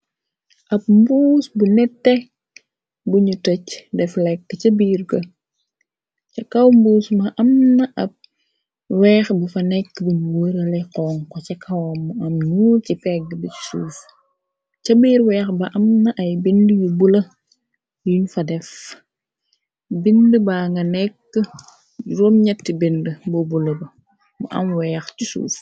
Ab mbuus bu nette buñu tëg def lekka birr ga si kaw mbuus ma am na ab weex bu fa nekka buñu wërale xonko ca kawam mu am ñuul ci peggi bi suuf ca biir weex ba am na ay binda yu bulu yuñ fa def binda ba nga nekka juróom ñeeti binda bu bulu ba mu am weex si suuf.